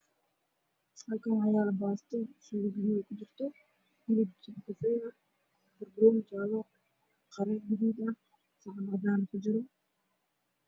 Halkaan waxaa yaalo baasto suugo gaduud ah ay ku jirto midabkeeda kafay ah banbanooni jaalle ah qare gaduud ah saxan cadaan ku jiro.